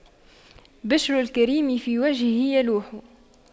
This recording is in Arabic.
بِشْرُ الكريم في وجهه يلوح